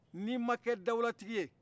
n'i ma kɛ dawulatigi ye